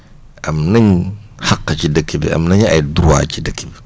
am nañ xàq ci dëkk bi am nañ ay droits ci dëkk bi